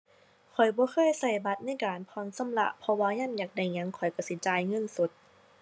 ข้อยบ่เคยใช้บัตรในการผ่อนชำระ เพราะว่ายามอยากได้หยังข้อยใช้สิจ่ายเงินสด